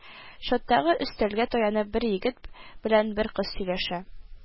Чаттагы өстәлгә таянып, бер егет белән бер кыз сөйләшә